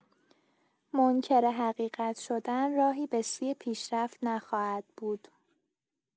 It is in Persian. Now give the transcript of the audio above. منکر حقیقت شدن، راهی به سوی پیشرفت نخواهد بود.